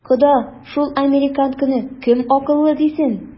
Кода, шул американканы кем акыллы дисен?